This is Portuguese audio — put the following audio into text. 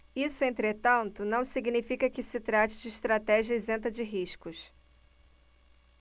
isso entretanto não significa que se trate de estratégia isenta de riscos